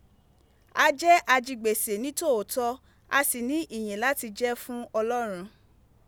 A je ajigbese nitooto, a si ni ihin lati je fun Olorun